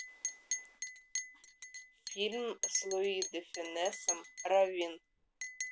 фильм с луи де фюнесом раввин